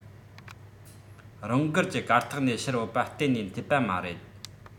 རང འགུལ ཀྱི གར སྟེགས ནས ཕྱིར བུད པ གཏན ནས འཐད པ མ རེད